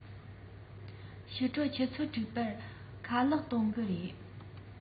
ཕྱི དྲོ ཆུ ཚོད དྲུག པར ཁ ལག གཏོང གི རེད